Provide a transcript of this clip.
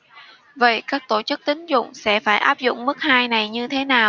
vậy các tổ chức tín dụng sẽ phải áp dụng mức hai này như thế nào